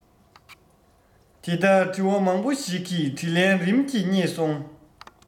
དེ ལྟར དྲི བ མང པོ ཞིག གི དྲིས ལན རིམ གྱིས རྙེད སོང